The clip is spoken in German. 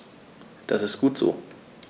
Das ist gut so.